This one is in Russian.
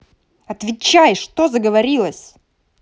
отвечай что заговорилась